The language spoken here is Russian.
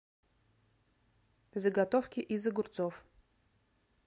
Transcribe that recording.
заготовки из огурцов